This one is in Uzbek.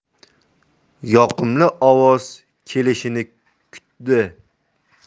yoqimli ovoz kelishini kutdi